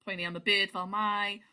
poeni am y byd fel mai.